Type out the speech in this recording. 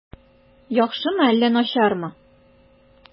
Яхшымы әллә начармы?